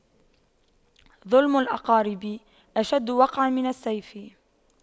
ظلم الأقارب أشد وقعا من السيف